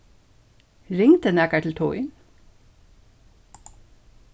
ringdi nakar til tín